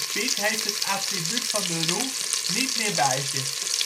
het attribuut van de roe niet meer bij zich